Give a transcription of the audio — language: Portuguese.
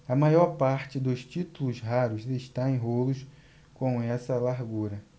a maior parte dos títulos raros está em rolos com essa largura